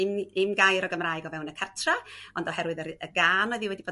'im 'im gair o Gymraeg o fewn y cartra' ond oherwydd y gân o'dd i wedi bod